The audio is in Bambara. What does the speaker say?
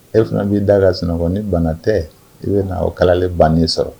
E fana b'i da ka sinaɔgɔ ni bana tɛ i bɛ na o kalalen bannen sɔrɔ